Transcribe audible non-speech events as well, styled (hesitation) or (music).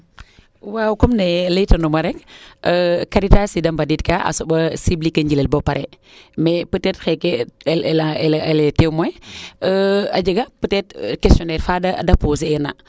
waaw comme nee leyta nuuma rek Karitas yeede mbediid kaa a soɓa sible ke njilel ba pare mais peut etre xeeke elle "elle est temoin (hesitation) a jega peut etre questionnaire faa de poser eer na